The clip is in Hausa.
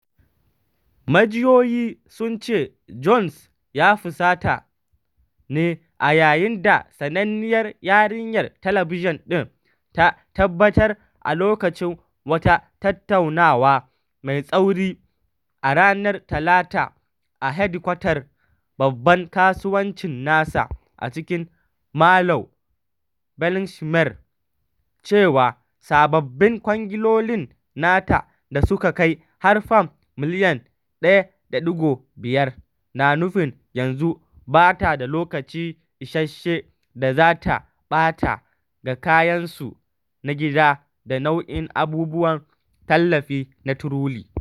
Majiyoyi sun ce Jones ya ‘fusata’ ne a yayin da sananniyar yarinyar talabijin ɗin ta tabbatar a lokacin wata tattaunawa mai tsauri a ranar Talata a hedikwatar babban kasuwancin nasa a cikin Marlow, Buckinghamshire, cewa sababbin kwangilolin nata - da suka kai har Fam miliyan 1.5 - na nufin yanzu ba ta da lokaci isasshe da za ta ɓata ga kayansu na gida da nau’in abubuwan tallafi na Truly.